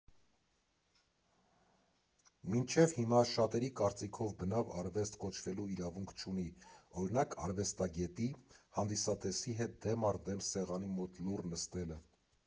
Մինչև հիմա շատերի կարծիքով բնավ արվեստ կոչվելու իրավունք չունի, օրինակ, արվեստագետի՝ հանդիսատեսի հետ դեմ առ դեմ սեղանի մոտ լուռ նստելը։